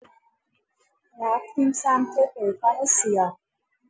رفتیم سمت پیکان سیاه.